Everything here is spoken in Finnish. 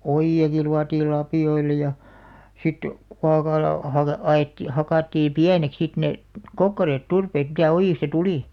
ojiakin luotiin lapioilla ja sitten kuokalla -- hakattiin pieneksi sitten ne kokkareet turpeet mitä ojista tuli